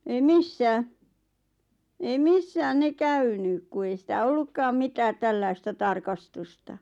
ei missään ei missään ne käynyt kun ei sitä ollutkaan mitään tällaista tarkastusta